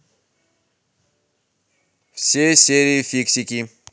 все серии фиксики